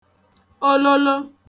ololo